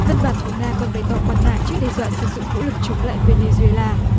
văn bản của nga còn bày tỏ quan ngại trước đe dọa sử dụng vũ lực chống lại vê nê duê la